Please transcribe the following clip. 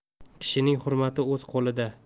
kishining hurmati o'z qo'lida